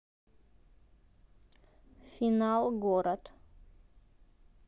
final город